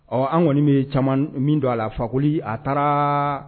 Ɔ an kɔni bɛ caman min don a la fa koli a taara